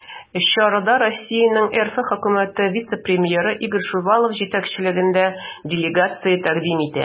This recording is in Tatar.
Чарада Россияне РФ Хөкүмәте вице-премьеры Игорь Шувалов җитәкчелегендәге делегация тәкъдим итә.